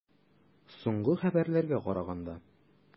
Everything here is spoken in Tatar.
Соңгы хәбәрләргә караганда.